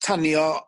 tanio